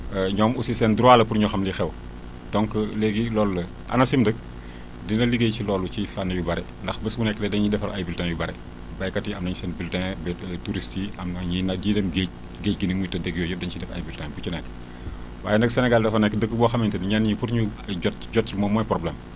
ñoom aussi seen droit la pour ñu xam li xew donc léegi loolu la ANACIM nag dina liggéey si loolu si fànn yu bëri ndax bés bu nekk rek dañuy defal ay bulletins yu bëre béykat yi am nañ seen bulletin béy touristes yi am na ñuy na ñuy dem géej géej gi ni muy tëddeeg yooyu yëpp dañu siy def ay bulletins ku ci nekk waaye nag Sénégal dafa nekk dëkk boo xamante ni ñenn ñi pour ñu jot ci moom mooy problème